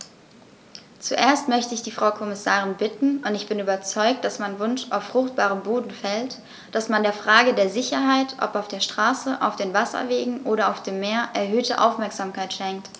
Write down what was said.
Zuerst möchte ich die Frau Kommissarin bitten - und ich bin überzeugt, dass mein Wunsch auf fruchtbaren Boden fällt -, dass man der Frage der Sicherheit, ob auf der Straße, auf den Wasserwegen oder auf dem Meer, erhöhte Aufmerksamkeit schenkt.